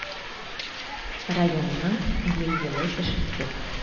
Районның билгеле кешесе.